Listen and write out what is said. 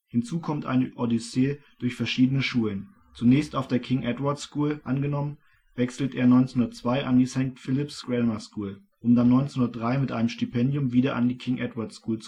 Hinzu kommt eine Odyssee durch verschiedene Schulen: Zunächst auf der King Edward 's School angenommen, wechselt er 1902 an die St. Philips Grammar School, um dann 1903 mit einem Stipendium wieder an die King Edward 's School zurückzukehren